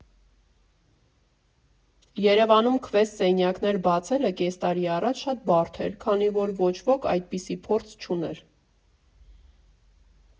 «Երևանում քվեսթ սենյակներ բացելը կես տարի առաջ շատ բարդ էր, քանի որ ոչ ոք այդպիսի փորձ չուներ։